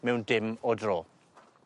mewn dim o dro.